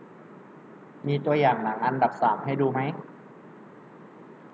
มีตัวอย่างหนังอันดับสามให้ดูไหม